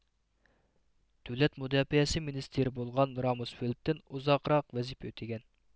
دۆلەت مۇداپىئەسى مىنىستىرى بولغان راموسفېلېددىن ئۇزاقراق ۋەزىپە ئۆتىگەن